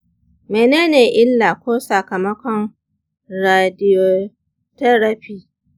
menene illa ko sakamakon radiotherapy?